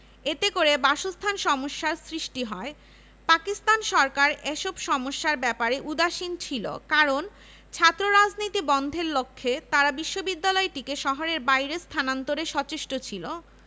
দেশের জনগণের সঙ্গে এক হয়ে ছাত্ররা দীর্ঘ নয় মাসব্যাপী স্বাধীনতা যুদ্ধে লিপ্ত হয়